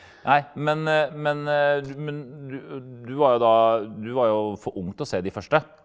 nei men men du men du du var jo da du var jo for ung til å se de første?